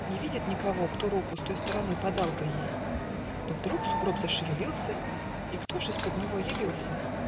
Не видит никого, кто руку С той стороны подал бы ей Но вдруг сугроб зашевелился. И кто ж из-под него явился?